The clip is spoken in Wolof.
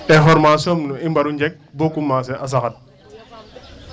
information